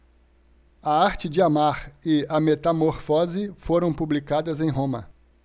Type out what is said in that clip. a arte de amar e a metamorfose foram publicadas em roma